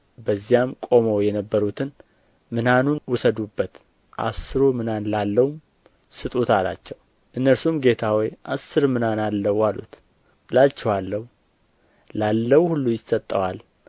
በዚያም ቆመው የነበሩትን ምናኑን ውሰዱበት አሥሩ ምናን ላለውም ስጡት አላቸው እነርሱም ጌታ ሆይ አሥር ምናን አለው አሉት እላችኋለሁ ላለው ሁሉ ይሰጠዋል